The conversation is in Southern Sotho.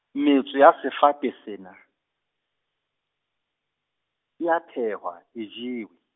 metso ya sefate sena, e a phehwa, e jewe.